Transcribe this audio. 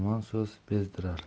yomon so'z bezdirar